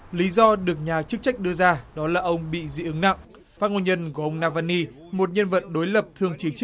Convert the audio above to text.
lý do được nhà chức trách đưa ra đó là ông bị dị ứng nặng phát ngôn nhân của ông na van ly một nhân vật đối lập thường chỉ